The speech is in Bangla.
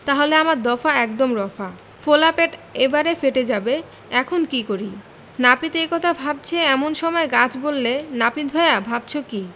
তাহলে আমার দফা একদম রফা ফোলা পেট এবারে ফেটে যাবে এখন করি কী নাপিত এই কথা ভাবছে এমন সময় গাছ বললে নাপিত ভায়া ভাবছ কী